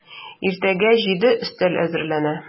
Иртәнге җиде, өстәл әзерләнә.